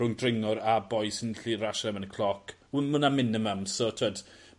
Rhwng dringwr a boi sy'n gallu rasio yn erbyn y cloc. Wn- ma' wnna'n minimum so t'wod